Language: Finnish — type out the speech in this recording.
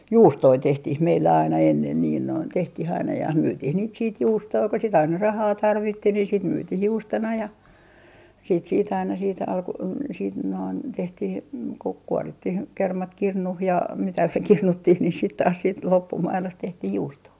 juustoja tehtiin meillä aina ennen niin noin tehtiin aina ja myytiin niitä sitten juustoja kun sitä aina rahaa tarvittiin niin sitten myytiin juustona ja siitä siitä aina siitä - siitä noin tehtiin kun kuorittiin kermat kirnuun ja mitä kirnuttiin niin sitten taas sitten loppumaidosta tehtiin juustoa